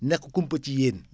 nekk kumpa ci yéen